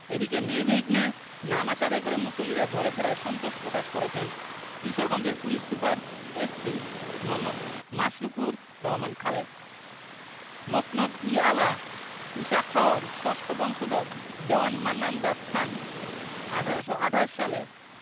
এদিকে নির্বিঘ্নে নামাজ আদায় করে মুসল্লিরা ঘরে ফেরায় সন্তোষ প্রকাশ করেছেন কিশোরগঞ্জের পুলিশ সুপার এসপি মো. মাশরুকুর রহমান খালেদ মসনদ ই আলা ঈশাখার ষষ্ঠ বংশধর দেওয়ান মান্নান দাদ খান ১৮২৮ সালে